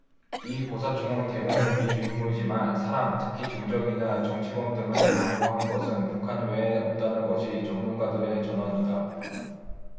이 고사총은 대공용이 주임무지만 사람 특히 정적이나 정치범 등을 대상으로 한 것은 북한 외에는 없다는 것이 전문가들의 전언이다